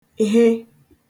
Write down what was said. he